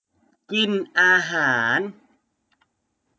กินอาหาร